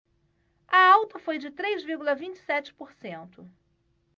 a alta foi de três vírgula vinte e sete por cento